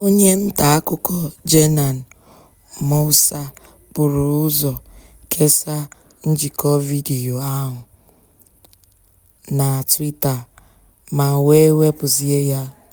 Onye ntaakụkọ Jenan Moussa buru ụzọ kesaa njịkọ vidiyo ahụ na Twita ma wee wepụzie ya.